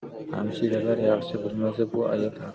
hamshiralar yaxshi bilmasa bu ayol